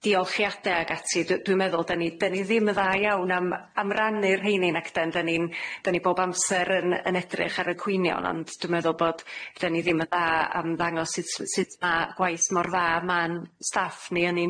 diolchiade ag ati dy- dwi'n meddwl da ni da ni ddim yn dda iawn am am rannu'r rheinyn ac den dyn ni'n dyn ni bob amser yn yn edrych ar y cwynion ond dwi'n meddwl bod dyn ni ddim yn dda am ddangos sut su- sut ma' gwaith mor dda ma'n staff ni yn ei